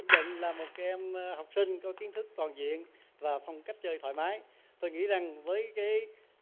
kim định là một em học sinh có kiến thức toàn diện và phong cách chơi thoải mái tôi nghĩ rằng với cái